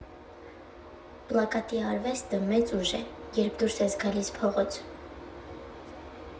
Պլակատի արվեստը մեծ ուժ է, երբ դուրս է գալիս փողոց։